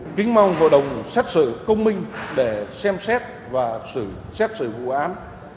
kính mong hội đồng xét xử công minh để xem xét và xử xét xử vụ án